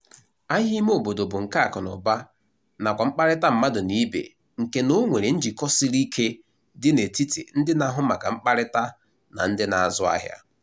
Ahịa ime obodo bụ nke akụnaụba nakwa mkparịta mmadụ na ibe nke na o nwere njikọ siri ike dị na-etiti ndị na-ahụ maka mkparịta na ndị na-azụ ahịa.